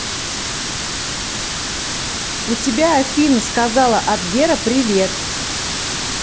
у тебя афина сказала от гера привет